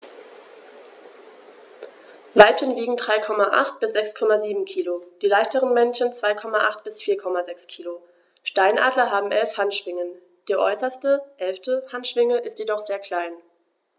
Weibchen wiegen 3,8 bis 6,7 kg, die leichteren Männchen 2,8 bis 4,6 kg. Steinadler haben 11 Handschwingen, die äußerste (11.) Handschwinge ist jedoch sehr klein.